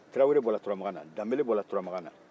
tarawele bɔra turamakan na danbɛlɛ bɔra turamakan na